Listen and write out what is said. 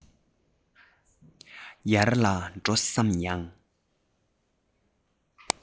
ཡར ལ འགྲོ བསམ ཡང